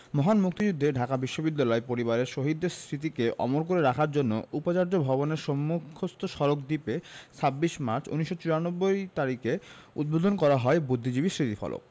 মহান মুক্তিযুদ্ধে ঢাকা বিশ্ববিদ্যালয় পরিবারের শহীদদের স্মৃতিকে অমর করে রাখার জন্য উপাচার্য ভবনের সম্মুখস্থ সড়ক দ্বীপে ২৬ মার্চ ১৯৯৪ তারিখে উদ্বোধন করা হয় বুদ্ধিজীবী স্মৃতিফলক